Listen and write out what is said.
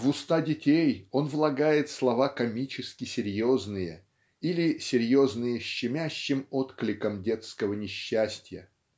В уста детей он влагает слова комически-серьезные или серьезные щемящим откликом детского несчастья.